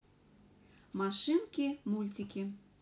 машинки мультик